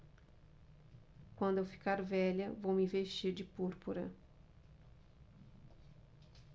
quando eu ficar velha vou me vestir de púrpura